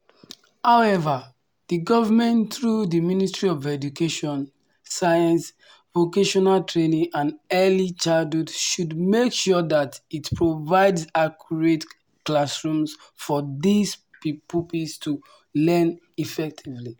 However, the Government through the Ministry of Education, Science, Vocational Training and Early Childhood should make sure that it provides adequate classrooms for these pupils to learn effectively.